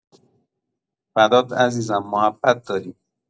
فدات عزیزم محبت داری